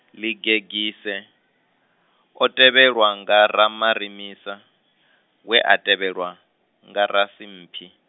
Ḽigegise, o tevhelwa nga Ramaremisa, we a tevhelwa, nga Rasimphi.